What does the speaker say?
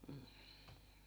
mm